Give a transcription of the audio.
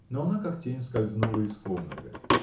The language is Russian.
Но она, как тень, скользнула из комнаты.